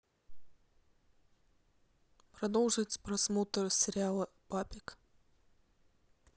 продолжить просмотр сериала папик